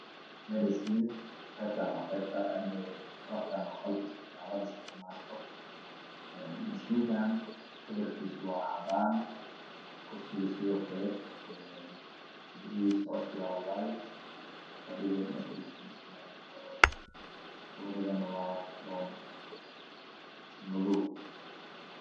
Medhisiin qaybtaan waa qalabka isbitaalada ay isticmaasho mishiinkaan kalar kiisu waa cadaan kursiga sidookale birihiisa hoos waa wayt fadhiga mesha lagu fa dhiisanayana is bunyadana waa baroon mise madow